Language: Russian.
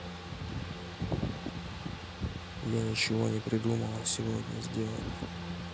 я ничего не придумала сегодня сделать